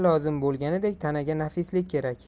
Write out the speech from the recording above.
lozim bo'lganidek tanaga nafislik kerak